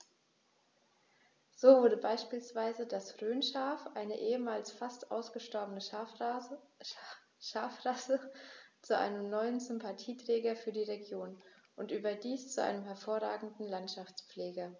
So wurde beispielsweise das Rhönschaf, eine ehemals fast ausgestorbene Schafrasse, zu einem neuen Sympathieträger für die Region – und überdies zu einem hervorragenden Landschaftspfleger.